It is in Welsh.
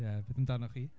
Ie, beth amdano chi?